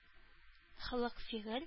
Холык-фигыль